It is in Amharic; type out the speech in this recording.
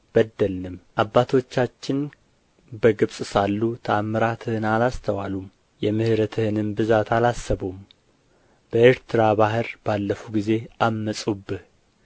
በደልንም አባቶቻችን በግብጽ ሳሉ ተኣምራትህን አላስተዋሉም የምሕረትህንም ብዛት አላሰቡም በኤርትራ ባሕር ባለፉ ጊዜ ዐመፁብህ